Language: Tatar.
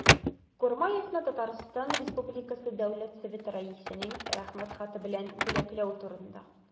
И.Х. Курмаевны Татарстан республикасы дәүләт советы рәисенең рәхмәт хаты белән бүләкләү турында